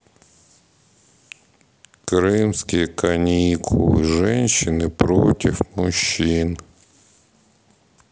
крымские каникулы женщины против мужчин